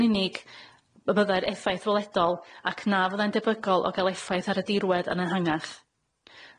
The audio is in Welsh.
yn unig y byddai'r effaith weledol ac na fyddai'n debygol o ga'l effaith ar y dirwedd yn ehangach.